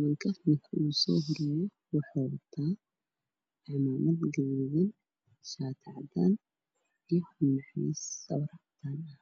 ninkaas haree wuxuu wataa cimaamad guduud shaati cadan macawis sawir